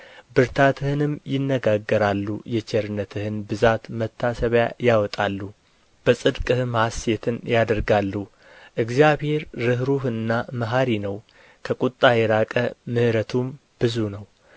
ብርታትህንም ይነጋገራሉ የቸርነትህን ብዛት መታሰብ ያወጣሉ በጽድቅህም ሐሤትን ያደርጋሉ እግዚአብሔር ርኅሩኅና መሓሪ ነው ከቍጣ የራቀ ምሕረቱም ብዙ ነው